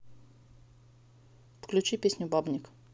включи песню бабник